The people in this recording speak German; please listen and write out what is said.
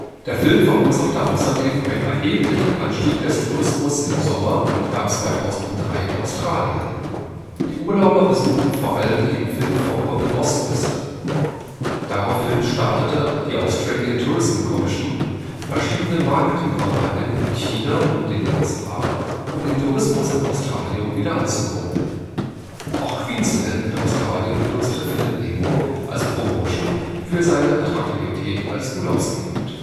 Der Film verursachte außerdem einen erheblichen Anstieg des Tourismus im Sommer und Herbst 2003 in Australien. Die Urlauber besuchten vor allem die im Film vorkommende Ostküste. Daraufhin startete die Australian Tourism Commission verschiedene Marketingkampagnen in China und den USA, um den Tourismus in Australien weiter anzukurbeln. Auch Queensland in Australien benutzte Findet Nemo als Promotion für seine Attraktivität als Urlaubsgegend